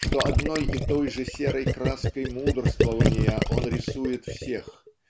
что одной и той же серой краской мудрствования он рисует всех